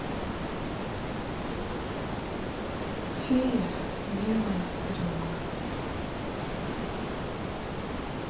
фея белая стрела